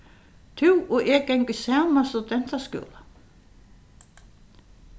tú og eg ganga í sama studentaskúla